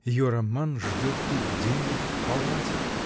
Ее роман ждет тут где-нибудь в палате.